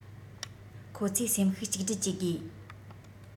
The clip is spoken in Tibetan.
ཁོ ཚོས སེམས ཤུགས གཅིག སྒྲིལ གྱིས དགོས